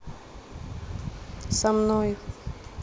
со мной